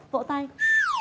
vỗ tay